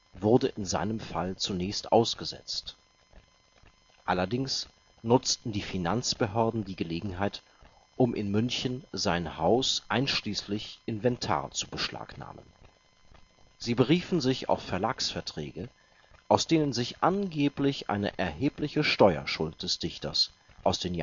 wurde in seinem Fall zunächst ausgesetzt. Allerdings nutzten die Finanzbehörden die Gelegenheit, um in München sein Haus einschließlich Inventar zu beschlagnahmen. Sie beriefen sich auf Verlagsverträge, aus denen sich angeblich eine erhebliche Steuerschuld des Dichters aus den